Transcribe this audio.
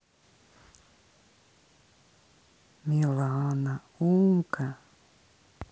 милана умка